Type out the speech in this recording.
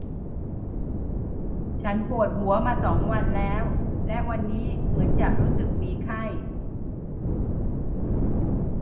ฉันปวดหัวมาสองวันแล้วและวันนี้เหมือนจะรู้สึกมีไข้